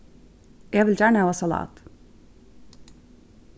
eg vil gjarna hava salat